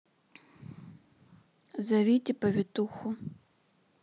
зовите повитуху